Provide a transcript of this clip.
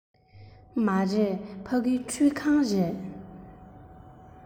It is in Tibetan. མ རེད ཕ གི ཁྲུད ཁང རེད